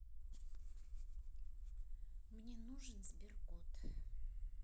мне нужен сберкот